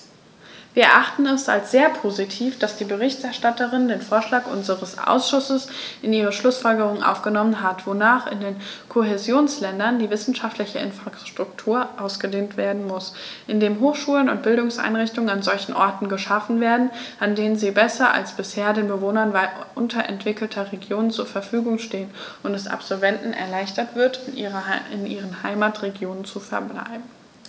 Wir erachten es als sehr positiv, dass die Berichterstatterin den Vorschlag unseres Ausschusses in ihre Schlußfolgerungen aufgenommen hat, wonach in den Kohäsionsländern die wissenschaftliche Infrastruktur ausgedehnt werden muss, indem Hochschulen und Bildungseinrichtungen an solchen Orten geschaffen werden, an denen sie besser als bisher den Bewohnern unterentwickelter Regionen zur Verfügung stehen, und es Absolventen erleichtert wird, in ihren Heimatregionen zu verbleiben.